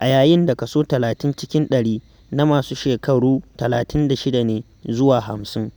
a yayin da kaso 30 cikin ɗari na masu shekaru 36 ne zuwa 50.